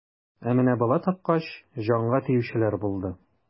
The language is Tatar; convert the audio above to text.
Ә менә бала тапкач, җанга тиючеләр булды.